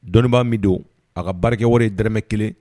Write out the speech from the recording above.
Dɔnnii b'a min don a ka barikakɛ wɛrɛ ye dmɛ kelen